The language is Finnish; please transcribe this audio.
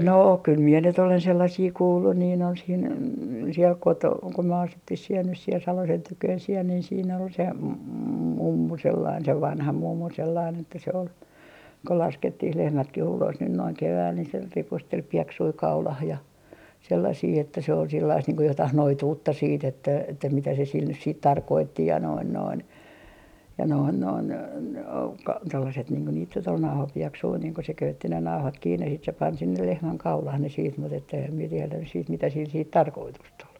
no kyllä minä nyt olen sellaisia kuullut niin on siinä siellä - kun me asuttiin siellä nyt siellä Salosen tykönä siellä niin siinä oli se mummu sellainen se vanha mummu sellainen että se oli kun laskettiin lehmätkin ulos nyt noin keväällä niin se ripusteli pieksuja kaulaan ja sellaisia että se oli sellaista niin kuin jotakin noituutta sitten että että mitä se sillä nyt sitten tarkoitti ja noin noin ja noin noin - tuollaiset niin kuin niitä nyt oli nauhapieksuja niin kun se köytti ne nauhat kiinni sitten se pani sinne lehmän kaulaan ne sitten mutta että enhän minä tiedä nyt sitten mitä sillä sitten tarkoitusta oli